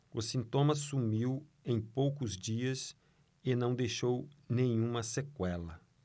o sintoma sumiu em poucos dias e não deixou nenhuma sequela